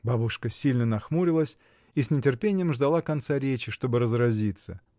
Бабушка сильно нахмурилась и с нетерпением ждала конца речи, чтобы разразиться.